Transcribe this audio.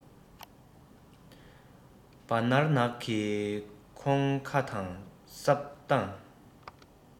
སྦིར ནག གི གོང ཁ དང སྲབ གདང